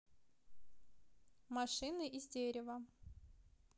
машины из дерева